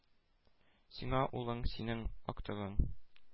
Сиңа улың — синең актыгың